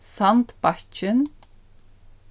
sandbakkin